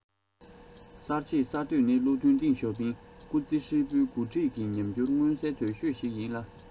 གསར འབྱེད གསར གཏོད ནི བློ མཐུན ཏེང ཞའོ ཕིང སྐུ ཚེ ཧྲིལ པོའི འགོ ཁྲིད ཀྱི ཉམས འགྱུར མངོན གསལ དོད ཤོས ཤིག ཡིན ལ